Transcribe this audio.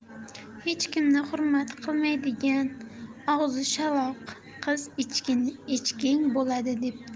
hech kimni hurmat qilmaydigan og'zi shaloq qiz echking bo'ladi debdi